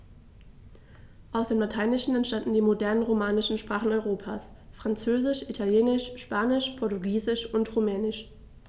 Aus dem Lateinischen entstanden die modernen „romanischen“ Sprachen Europas: Französisch, Italienisch, Spanisch, Portugiesisch und Rumänisch.